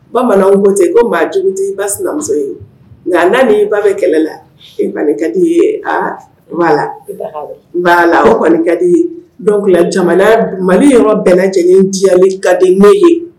Bamananw ko ten ko maa jugu t'i ba sinamuso ye, nka n'a ni ba bɛ kɛlɛ la, a ka di ye aa voilà voilà o kɔni ka di ye donc jamana Mali yɔrɔ bɛɛ lajɛlen diyali ka di ne ye